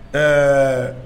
Ɛɛ